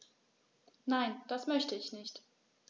Nein, das möchte ich nicht.